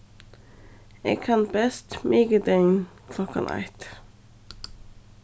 eg kann best mikudagin klokkan eitt